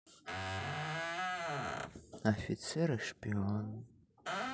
офицер и шпион